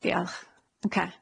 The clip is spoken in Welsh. Diolch. Ocê.